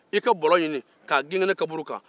i ka bɔlɔ ɲini k'a gengen ne kaburu kan